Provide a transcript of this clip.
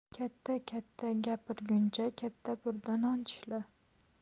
katta katta gapiiguncha katta burda non tishla